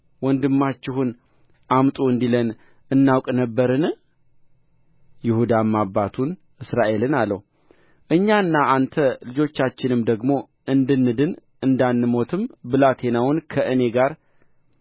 ወንድማችሁን አምጡ እንዲለን እናውቅ ነበርነን ይሁዳም አባቱን እስራኤልን አለው እኛና አንተ ልጆቻችንም ደግሞ እንድንድን እንዳንሞትም ብላቴናውን ከእኔ ጋር